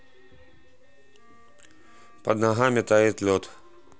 под ногами тает лед